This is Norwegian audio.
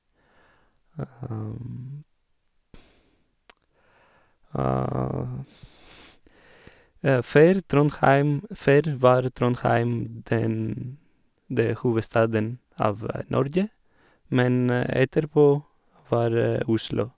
før Trondheim Før var Trondheim den det hovedstaden av Norge, men etterpå var Oslo.